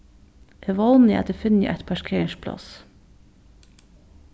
eg vóni at eg finni eitt parkeringspláss